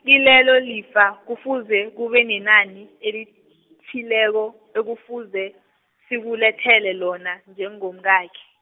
kilelo lifa, kufuze kube nenani, elithileko, ekufuze sikulethele lona, njengomkakhe.